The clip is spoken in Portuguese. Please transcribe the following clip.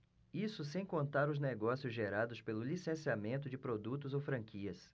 isso sem contar os negócios gerados pelo licenciamento de produtos ou franquias